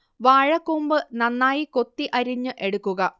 വാഴ കൂമ്പ് നന്നായി കൊത്തി അരിഞ്ഞു എടുക്കുക